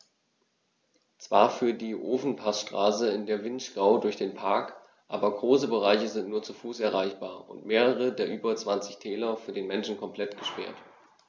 Zwar führt die Ofenpassstraße in den Vinschgau durch den Park, aber große Bereiche sind nur zu Fuß erreichbar und mehrere der über 20 Täler für den Menschen komplett gesperrt.